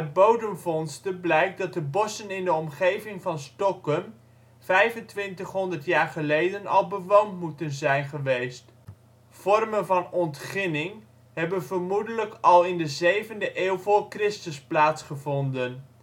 bodemvondsten blijkt dat de bossen in de omgeving van Stokkum 2500 jaar geleden al bewoond moeten zijn. Vormen van ontginning hebben vermoedelijk al in de zevende eeuw voor Christus plaatsgevonden